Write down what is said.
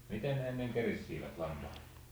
miten ne ennen keritsivät lampaat